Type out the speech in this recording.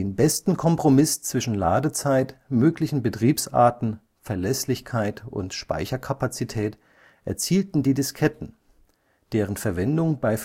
besten Kompromiss zwischen Ladezeit, möglichen Betriebsarten, Verlässlichkeit und Speicherkapazität erzielten die Disketten, deren Verwendung bei